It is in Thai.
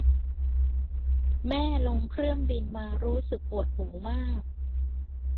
แม่ลงเครื่องบินมารู้สึกปวดหูมาก